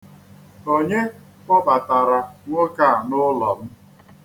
Onye kpobatara nwoke a n'ulo m?